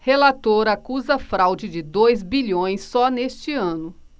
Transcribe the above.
relator acusa fraude de dois bilhões só neste ano